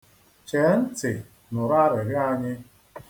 Chee ntị nụrụ arịrịọ anyị.